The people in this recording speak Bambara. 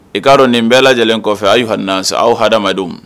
I k'a dɔn nin bɛɛ lajɛlen kɔfɛ aw hadamadenw